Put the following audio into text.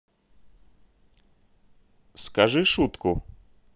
скажи шутку